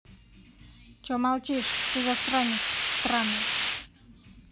че молчишь ты засранец странный